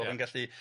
oedd yn gallu